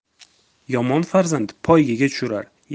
yomon farzand poygaga tushirar